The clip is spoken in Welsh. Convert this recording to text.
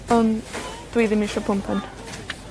Ond dwi ddim isio pwmpen.